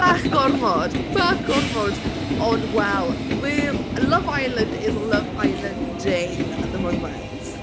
Bach gormod, bach gormod. Ond wel, wy- Love Island is, Love Island-ing at the moment.